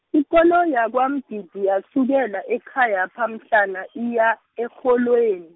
ikoloyi yakwaMgidi yasukela ekhayapha, mhlana iya, erholweni .